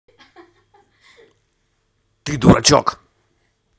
ты дурачек